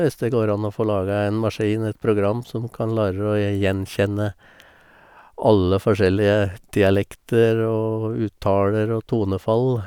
Hvis det går an å få laga en maskin, et program, som kan lære å gjenkjenne alle forskjellige dialekter og uttaler og tonefall.